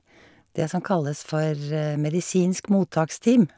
Det som kalles for medisinsk mottaksteam.